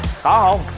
khó không